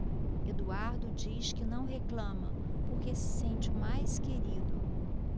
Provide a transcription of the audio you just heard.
eduardo diz que não reclama porque se sente o mais querido